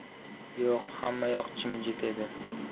yo'q hammayoq jimjit edi